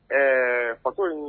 Ɛɛ fa